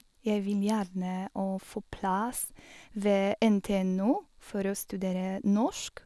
Jeg vil gjerne å få plass ved NTNU for å studere norsk.